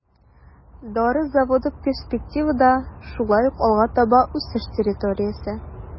Дары заводы перспективада шулай ук алга таба үсеш территориясе.